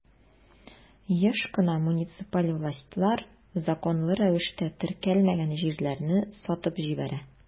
Еш кына муниципаль властьлар законлы рәвештә теркәлмәгән җирләрне сатып җибәрә.